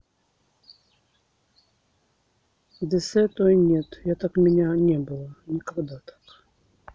deceit ой нет я так меня не было никогда так